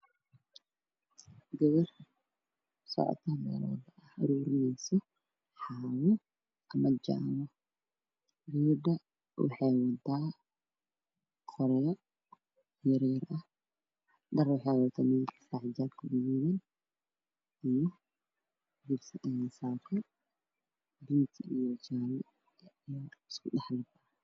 Waa gabar socoto waxay aruurineysaa xaabo waxay wadaa qoryo waxay wadataa xijaab buluug ah iyo saako gaduud iyo jaale ah.